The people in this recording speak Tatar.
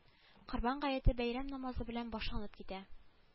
Корбан гаете бәйрәм намазы белән башланып китә